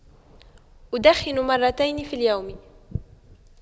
أدخن مرتين في اليوم